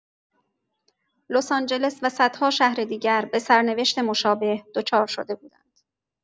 لس‌آنجلس و صدها شهر دیگر به سرنوشت مشابه دچار شده بودند.